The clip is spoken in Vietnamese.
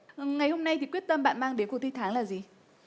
ngày hôm nay thì quyết tâm bạn mang đến cuộc thi tháng là gì